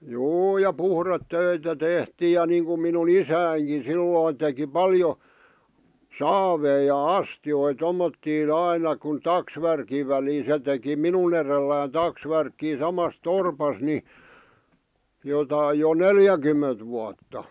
juu ja puhdetöitä tehtiin ja niin kuin minun isänikin silloin teki paljon saaveja ja astioita tuommottoon aina kun taksvärkin väli se teki minun edelläni taksvärkkiä samassa torpassa niin jotakin jo neljäkymmentä vuotta